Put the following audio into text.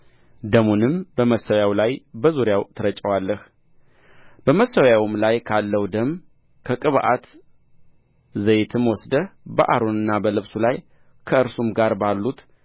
ደሙንም በመሠዊያው ላይ በዙሪያው ትረጨዋለህ በመሠዊያውም ላይ ካለው ደም ከቅብዓት ዘይትም ወስደህ በአሮንና በልብሱ ላይ ከእርሱም ጋር ባሉት